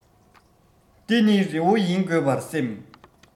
འདི ནི རི བོ ཡིན དགོས པར སེམས